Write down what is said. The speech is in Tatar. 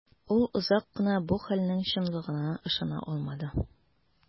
Ул озак кына бу хәлнең чынлыгына ышана алмады.